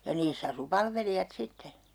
ja niissä asui palvelijat sitten